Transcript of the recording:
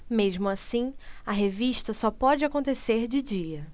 mesmo assim a revista só pode acontecer de dia